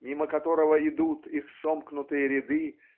мимо которого идут их сомкнутые ряды